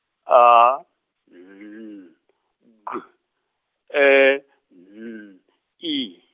A N G E N I.